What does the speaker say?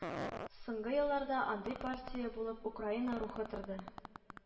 Соңгы елларда андый партия булып Украина РУХы торды